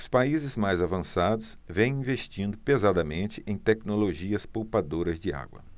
os países mais avançados vêm investindo pesadamente em tecnologias poupadoras de água